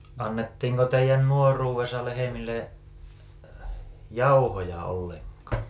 annettiinko teidän nuoruudessa lehmille jauhoja ollenkaan